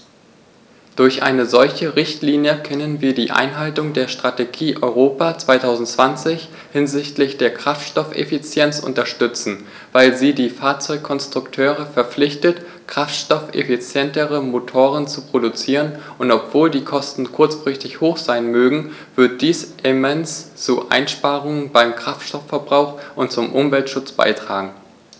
Durch eine solche Richtlinie können wir die Einhaltung der Strategie Europa 2020 hinsichtlich der Kraftstoffeffizienz unterstützen, weil sie die Fahrzeugkonstrukteure verpflichtet, kraftstoffeffizientere Motoren zu produzieren, und obwohl die Kosten kurzfristig hoch sein mögen, wird dies immens zu Einsparungen beim Kraftstoffverbrauch und zum Umweltschutz beitragen.